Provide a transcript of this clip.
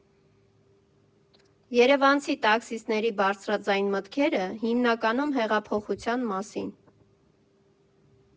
Երևանցի տաքսիստների բարձրաձայն մտքերը՝ հիմնականում հեղափոխության մասին։